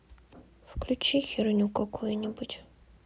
включи херню какую нибудь